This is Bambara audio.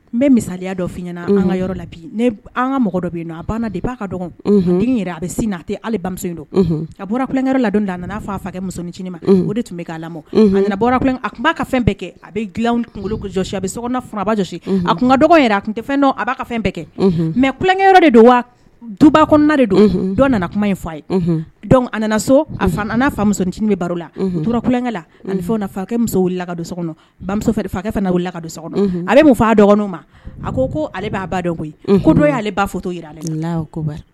N bɛ misaya dɔfin ɲɛnana an ka yɔrɔ la bi an ka mɔgɔ dɔ don a de b'a ka denkɛ yɛrɛ a bɛ'a tɛ ala in don a bɔrakɛ ladon a nana a fa a fa musonininin ma o de tun bɛ'a lamɔ a nana bɔra a tun b'a ka fɛn bɛɛ kɛ a bɛ kunkolosi a bɛbajɔsi a tun ka dɔgɔ a tun tɛ fɛn dɔn a b' fɛn bɛɛ kɛ mɛlankɛ de don wa duba kɔnɔna de don dɔ nana kuma in f' a ye a nana so a fa musonincinin bɛ baro la tora kulankɛ la ani fɛn fakɛ muso laka don so kɔnɔmuso fakɛ la ka don so kɔnɔ a bɛ mun faa a dɔgɔninw ma a ko ko ale b'a ba dɔn ko dɔ y'ale ba fɔ jira ale